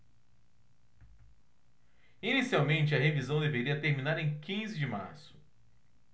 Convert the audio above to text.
inicialmente a revisão deveria terminar em quinze de março